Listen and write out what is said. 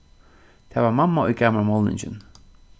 tað var mamma ið gav mær málningin